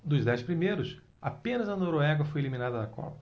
dos dez primeiros apenas a noruega foi eliminada da copa